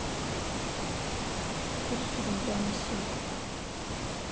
курс рубля на сегодня